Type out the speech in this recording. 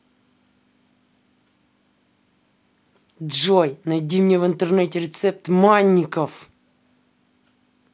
джой найди мне в интернете рецепт манников